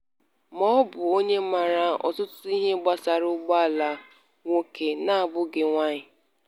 Mọọbụ onye maara ọtụtụ ihe gbasara ụgbọala — nwoke, n'abụghị nwaanyị.